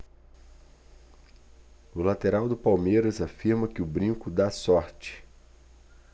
o lateral do palmeiras afirma que o brinco dá sorte